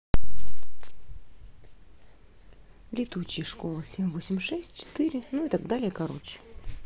летучие школа семь восемь шесть четыре ну и так далее короче